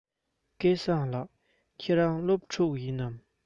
སྐལ བཟང ལགས ཁྱེད རང སློབ ཕྲུག ཡིན པས